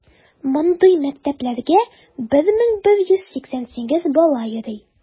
Мондый мәктәпләргә 1188 бала йөри.